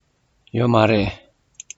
ཡོད མ རེད